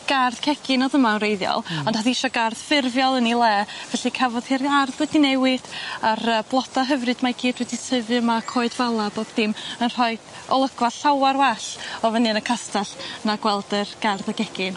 gardd cegin o'dd yma yn wreiddiol. Hmm. Ond o'dd 'i isio gardd ffurfiol yn 'i le felly cafodd hi'r ardd wedi newid a'r yy bloda hyfryd 'ma i gyd wedi tyfu yma coed fala a bob dim yn rhoid olygfa llawar well o fyny yn y castall na gweld yr gardd y gegin.